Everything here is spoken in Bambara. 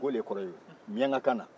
gole kɔrɔ y'o miyankakanna